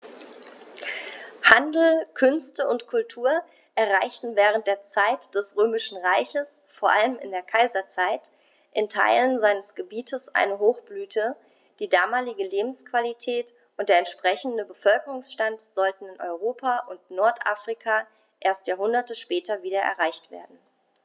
Handel, Künste und Kultur erreichten während der Zeit des Römischen Reiches, vor allem in der Kaiserzeit, in Teilen seines Gebietes eine Hochblüte, die damalige Lebensqualität und der entsprechende Bevölkerungsstand sollten in Europa und Nordafrika erst Jahrhunderte später wieder erreicht werden.